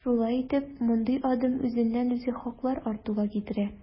Шулай итеп, мондый адым үзеннән-үзе хаклар артуга китерә.